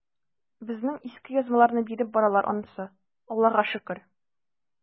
Безнең иске язмаларны биреп баралар ансы, Аллага шөкер.